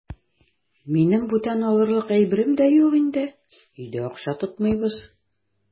Минем бүтән алырлык әйберем дә юк инде, өйдә акча тотмыйбыз.